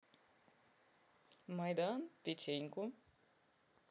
майдан печеньку